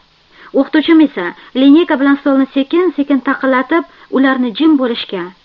o'qituvchim esa lineyka bilan stolni sekin sekin taqillatib ularni jim bo'lishga